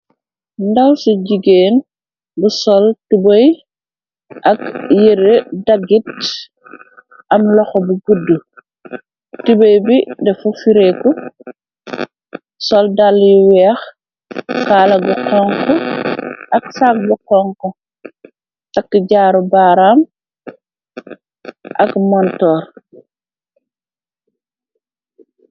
Ndaw ci jigéen bu sol tubey ak yërë daggit, am loxo bu guddu, tubey bi dafa fureeku, sol daale yu weex, kaala gu xonxu ak sàg gu xonxu, takk jaaru baaraam ak montor.